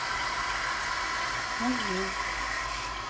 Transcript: музей